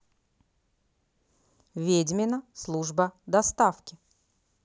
ведьмина служба доставки